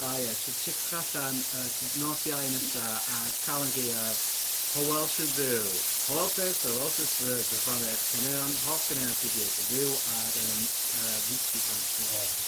O ia chec- checiwch allan yy dy- nos Iau nesa ar Calan Geaf ... ...a'r Welsh Whisperer y' perfformio eich caneuon, hoff ganeuon chi gyd, yn fyw ar yym s- yy YouTube Hansh dwi me'wl. Ie.